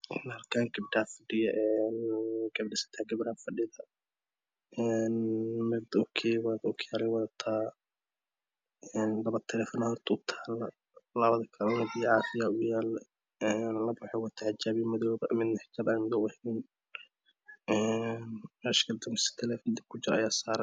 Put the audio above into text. Halkaan gabdhaa fadhiyo een sadax gabaraa fadhida een mid o kiyoo o kiyaalo wadataa een labo taleefano hortooda taala labada kalane biyo cafiyo uyaalo een labo waxey wataan xijaabyo madow ah midna xijaab an u qurxeen een meshaan miska kle taleefon dab ku jiro ayaa saaran